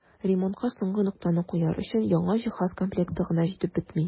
Ремонтка соңгы ноктаны куяр өчен яңа җиһаз комплекты гына җитеп бетми.